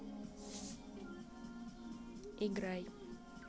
играй